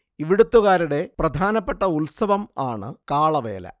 ഇവിടുത്തുകാരുടെ പ്രധാനപ്പെട്ട ഉത്സവം ആണ് കാളവേല